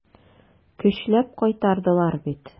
Көчләп кайтардылар бит.